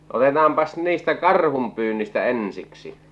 otetaanpas niistä karhunpyynnistä ensiksi